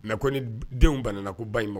Mɛ ko ni denw banna ko ba